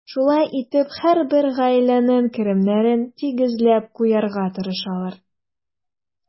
Шулай итеп, һәрбер гаиләнең керемнәрен тигезләп куярга тырышалар.